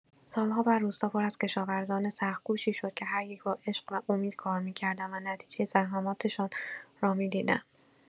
سال‌ها بعد، روستا پر از کشاورزان سخت‌کوشی شد که هر یک با عشق و امید کار می‌کردند و نتیجه زحماتشان را می‌دیدند.